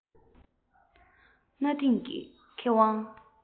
གནའ དེང གི མཁས དབང